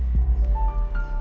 đâu